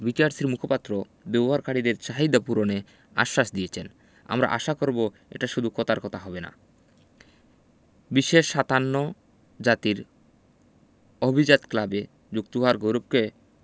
বিটিআরসির মুখপাত্র ব্যবহারকারীদের চাহিদা পূরণের আশ্বাস দিয়েছেন আমরা আশা করব এটা শুধু কতার কতা হবে না বিশ্বের ৫৭ জাতির অভিজাত ক্লাবে যুক্ত হওয়ার গৌরবকে